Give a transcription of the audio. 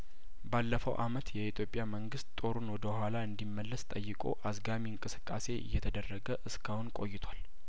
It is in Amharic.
ባለፈው አመት የኢትዮጵያ መንግስት ጦሩን ወደ ኋላ እንዲ መለስ ጠይቆ አዝጋሚ እንቅስቃሴ እየተደረገ እስካሁን ቆይቷል